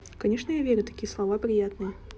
конечно я верю такие слова приятные